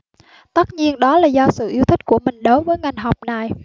tất nhiên đó là do sự yêu thích của mình đối với ngành học này